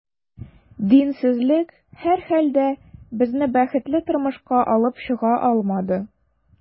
Динсезлек, һәрхәлдә, безне бәхетле тормышка алып чыга алмады.